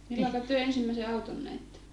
milloin te ensimmäisen auton näitte